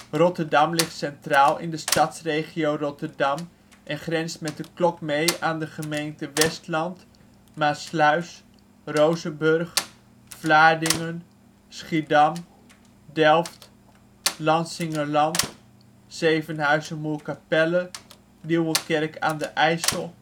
Rotterdam ligt centraal in de Stadsregio Rotterdam en grenst met de klok mee aan de gemeenten Westland, Maassluis, Rozenburg, Vlaardingen, Schiedam, Delft, Lansingerland, Zevenhuizen-Moerkapelle, Nieuwerkerk aan den IJssel